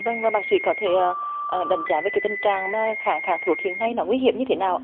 vâng và bác sĩ có thể ở đánh giá với cái tình trạng mà kháng kháng thuốc hiện nay nó nguy hiểm như thế nào ạ